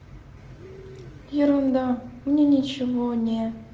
ерунда мне ничего не